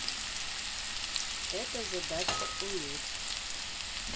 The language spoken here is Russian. это задача уметь